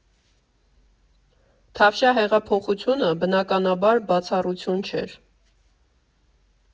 Թավշյա հեղափոխությունը, բնականաբար, բացառություն չէր։